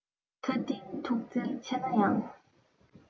མཁའ ལྡིང མཐུ རྩལ ཆེ ན ཡང